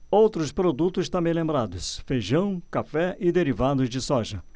outros produtos também lembrados feijão café e derivados de soja